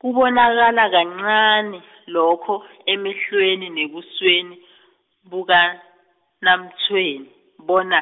kubonakala kancani lokho emehlweni nebusweni , bakaNaMtshweni bona,